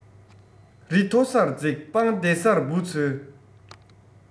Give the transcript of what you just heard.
རི མཐོ སར འཛེགས སྤང བདེ སར འབུ འཚོལ